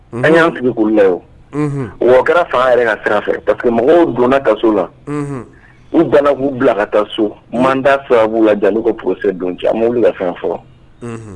An y'an sigi k'olu lajɛ o, unhun, wa o kɛra fanga yɛrɛ ka sira fɛ parce que mɔgɔw donna kaso la, unhun, u banna k'u bila ka taa so mandat tɛ se k'u kan, yani ka procès don cɛ, aw ma wuli ka fɛn fɔ wo, unhun.